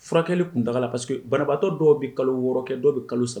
Furakɛli tun da la parce que banabaatɔ dɔw bɛ kalo wɔɔrɔkɛ dɔw bɛ kalo saba